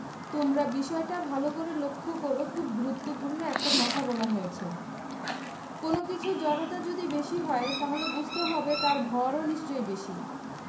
তোমরা বিষয়টা ভালো করে লক্ষ করো খুব গুরুত্বপূর্ণ একটা কথা বলা হয়েছে কোনো কিছুর জড়তা যদি বেশি হয় তাহলে বুঝতে হবে তার ভরও নিশ্চয়ই বেশি